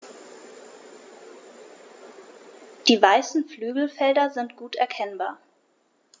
Die weißen Flügelfelder sind gut erkennbar.